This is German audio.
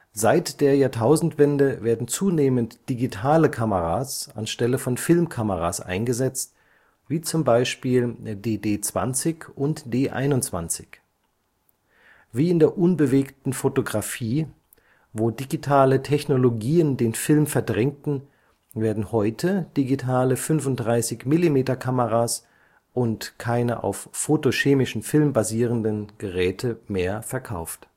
Seit der Jahrtausendwende werden zunehmend digitale Kameras anstelle von Filmkameras eingesetzt, wie z. B. die D-20 und D-21. Wie in der unbewegten Fotografie, wo digitale Technologien den Film verdrängten, werden heute digitale 35-mm-Kameras und keine auf photochemischem Film basierende Geräte mehr verkauft